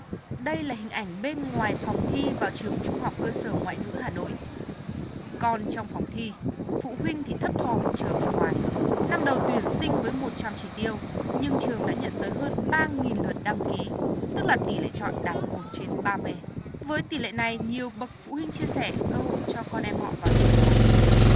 đây là hình ảnh bên ngoài phòng thi vào trường trung học cơ sở ngoại ngữ hà nội con trong phòng thi phụ huynh thì thấp thỏm chờ bên ngoài năm đầu tuyển sinh với một trăm chỉ tiêu nhưng trường đã nhận tới hơn ba nghìn lượt đăng ký tức là tỷ lệ chọi đạt một trên ba mươi với tỷ lệ này nhiều bậc phụ huynh chia sẻ cơ hội cho con em họ vào trường là không nhiều